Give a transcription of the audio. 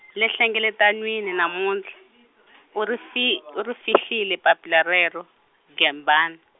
le nhlengeletanwini namuntlha, u ri fi- u ri fihlile papila rero, Gembani.